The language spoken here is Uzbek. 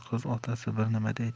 qiz otasi bir nima deydi